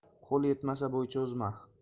qo'l yetmasa bo'y cho'zma